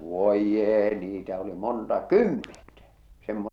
voi jee niitä oli monta kymmentä -